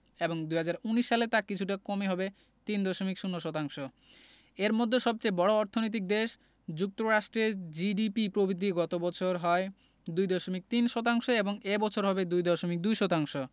এবং ২০১৯ সালে তা কিছুটা কমে হবে ৩.০ শতাংশ এর মধ্যে সবচেয়ে বড় অর্থনৈতিক দেশ যুক্তরাষ্ট্রের জিডিপি প্রবৃদ্ধি গত বছর হয় ২.৩ শতাংশ এবং এ বছর হবে ২.২ শতাংশ